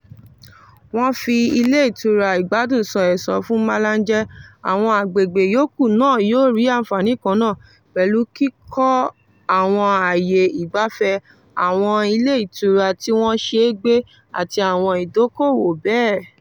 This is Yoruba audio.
Wọ́n fi ilé ìtura ìgbádùn "san ẹ̀san" fún Malanje, àwọn agbègbè yòókù náà yóò rí àǹfààní kannáà, pẹ̀lú kíkọ́ àwọn ààyè ìgbafẹ́, àwọn ilé ìtura tí wọ́n ṣeé gbé, àti àwọn ìdókowò bẹ́ẹ̀.